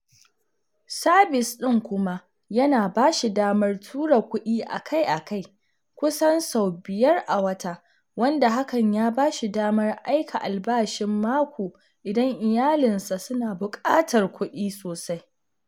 Sabis ɗin kuma yana ba shi damar tura kuɗi akai-akai – kusan sau 5 a wata wanda hakan ya bashi damar aika albashin mako idan iyalinsa suna buƙatar kuɗi sosai.